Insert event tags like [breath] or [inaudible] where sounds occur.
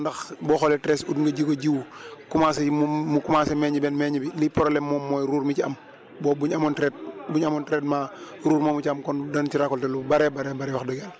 ndax boo xoolee treize août nga ji ko jiwu commencé mu commencé meññ benn meññ bi liy problème moom mooy ruur mi ci am boobu buñ amoon traite buén amoon traitement [breath] ruur moomu ci am kon danañ ci récolter lu bëree bëri wax dëgg yàlla